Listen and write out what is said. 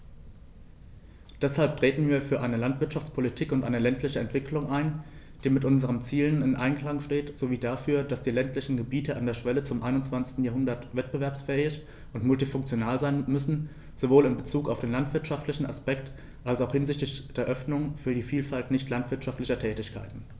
Deshalb treten wir für eine Landwirtschaftspolitik und eine ländliche Entwicklung ein, die mit unseren Zielen im Einklang steht, sowie dafür, dass die ländlichen Gebiete an der Schwelle zum 21. Jahrhundert wettbewerbsfähig und multifunktional sein müssen, sowohl in bezug auf den landwirtschaftlichen Aspekt als auch hinsichtlich der Öffnung für die Vielfalt nicht landwirtschaftlicher Tätigkeiten.